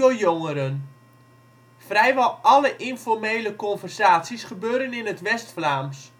jongeren. Vrijwel alle informele conversaties gebeuren er in het West-Vlaams